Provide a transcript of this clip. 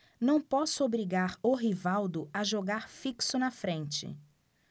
não posso obrigar o rivaldo a jogar fixo na frente